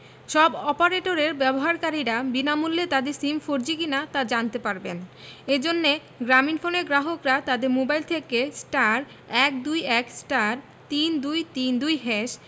সব অপারেটরের ব্যবহারকারীরা বিনামূল্যে তাদের সিম ফোরজি কিনা তা জানতে পারবেন এ জন্য গ্রামীণফোনের গ্রাহকরা তাদের মোবাইল থেকে *১২১*৩২৩২#